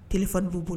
Kɛlɛ b'u bolo